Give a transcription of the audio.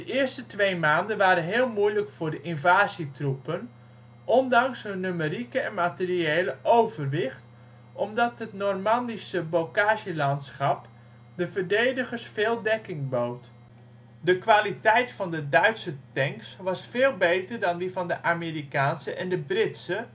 eerste twee maanden waren heel moeilijk voor de invasietroepen, ondanks hun numerieke en materiële overwicht, omdat het Normandische ' bocage ' landschap de verdedigers veel dekking bood. De kwaliteit van de Duitse tanks was veel beter dan die van de Amerikaanse en de Britse